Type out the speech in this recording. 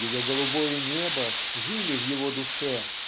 ее голубое небо жили в его душе